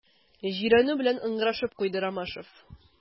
Җирәнү белән ыңгырашып куйды Ромашов.